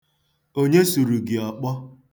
Onye suru gị ọkpọ?